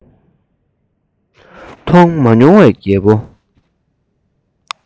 མཐོང མ མྱོང བའི རྒད པོ